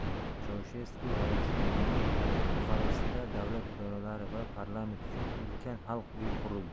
chaushesku g'oyasiga binoan buxarestda davlat idoralari va parlament uchun ulkan xalq uyi qurildi